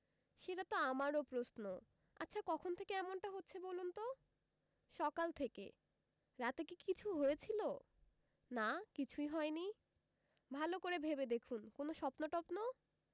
সেটা তো আমারও প্রশ্ন আচ্ছা কখন থেকে এমনটা হচ্ছে বলুন তো সকাল থেকে রাতে কি কিছু হয়েছিল না কিছুই হয়নি ভালো করে ভেবে দেখুন কোনো স্বপ্ন টপ্ন